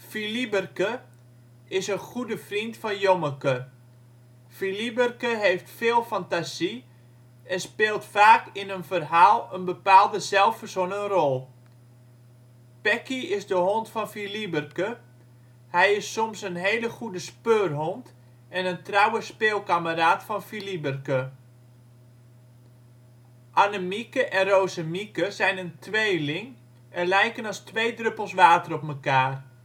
Filiberke is een goede vriend van Jommeke. Filiberke heeft veel fantasie en speelt vaak in een verhaal een bepaalde zelfverzonnen rol. Pekkie is de hond van Filiberke. Hij is soms een hele goede speurhond en een trouwe speelkameraad van Filiberke. Annemieke en Rozemieke zijn een tweeling en lijken als twee druppels water op mekaar